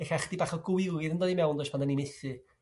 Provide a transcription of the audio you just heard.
e'lla' 'chydi' bach o g'wilydd yn dod i mewn os byddan ni'n methu.